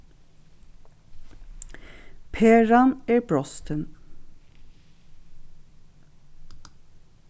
peran er brostin